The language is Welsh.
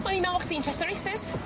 O'n i'n me'wl o' chdi'n Chester races.